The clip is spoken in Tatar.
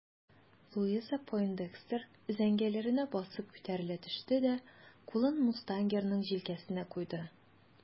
Луиза Пойндекстер өзәңгеләренә басып күтәрелә төште дә кулын мустангерның җилкәсенә куйды.